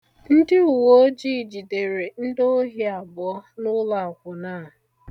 Ndị uweojii jidere ndị ohi abụọ n'ụlọakwụna a.